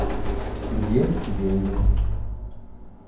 где деньги